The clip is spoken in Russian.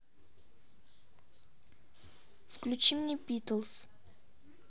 включи мне битлз